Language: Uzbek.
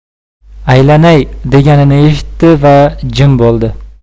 aylanay deganini eshitdi va jim bo'ldi